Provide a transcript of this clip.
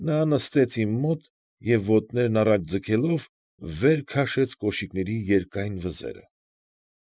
Նա նստեց իմ մոտ և, ոտներն առաջ ձգելով, վեր քաշեց կոշիկների երկար վզերը։